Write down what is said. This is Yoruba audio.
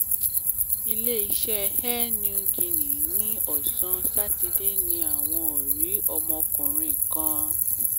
Ilé-iṣẹ́ Air Niugini ní ọ̀sán Sátidé ní àwọn ò rí ọmọkùnrin kan